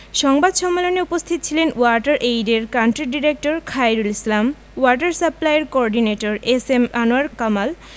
সংবাদ সম্মেলনে উপস্থিত ছিলেন ওয়াটার এইডের country director Khairul Islam water সাপ্লাইর coordinator S M Anwar Kamal